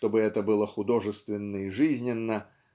чтобы это было художественно и жизненно